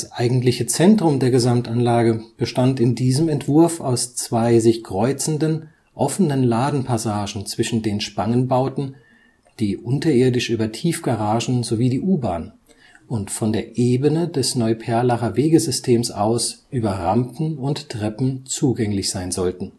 eigentliche Zentrum der Gesamtanlage bestand in diesem Entwurf aus zwei sich kreuzenden offenen Ladenpassagen zwischen den Spangenbauten, die unterirdisch über Tiefgaragen sowie die U-Bahn und von der Ebene des Neuperlacher Wegesystems aus über Rampen und Treppen zugänglich sein sollten